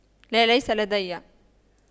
لا ليس لدي